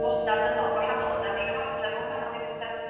foda dynol gwahanol a 'dan ni'n ymatab yn wahanol i betha.